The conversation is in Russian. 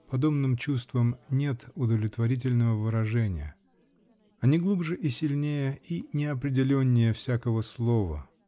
Подобным чувствам нет удовлетворительного выражения: они глубже и сильнее -- и неопределеннее всякого слова.